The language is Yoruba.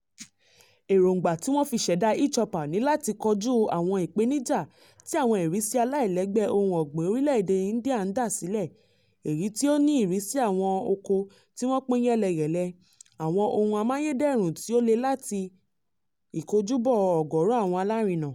Èróńgbà tí wọ́n fi ṣẹ̀dá e Choupal ni láti kojú àwọn ìpèníjà tí àwọn ìrísí àìlẹ́gbẹ́ ohun ọ̀gbìn orílẹ̀ èdè India ń dá sílẹ̀, èyí tí ó ní ìrísí àwọn oko tí wọ́n pín yẹ́lẹyẹ̀lẹ, àwọn ohun amáyédẹrùn tí ó lẹ àti ìkojúbọ̀ ọ̀gọ̀ọ̀rọ̀ àwọn alárinà...